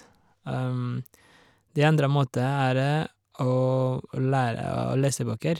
Det andre måte er å lære å lese bøker.